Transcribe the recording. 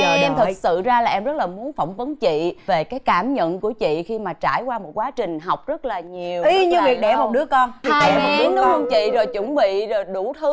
em thực ra là em rất là muốn phỏng vấn chị về cái cảm nhận của chị khi mà trải qua một quá trình học rất là nhiều y như việc đẻ một đứa con thai nghén đúng không chị rồi chuẩn bị rồi đủ thứ